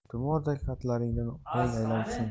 tumordek xatlaringdan onang aylansin